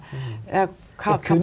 hva hva.